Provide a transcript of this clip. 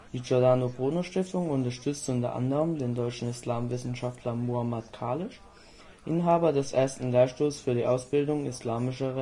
Giordano-Bruno-Stiftung unterstützte unter anderem den deutschen Islamwissenschaftler Muhammad Kalisch, Inhaber des ersten Lehrstuhls für die Ausbildung islamischer